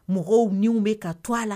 Mɔgɔw minnu bɛ ka to a la